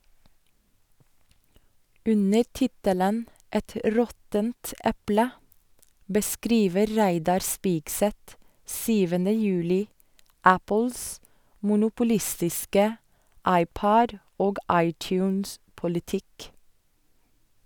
Under tittelen «Et råttent eple» beskriver Reidar Spigseth 7. juli Apples monopolistiske iPod- og iTunes-politikk.